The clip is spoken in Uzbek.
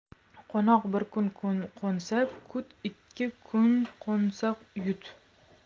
qo'noq bir kun qo'nsa kut ikki kun qo'nsa yut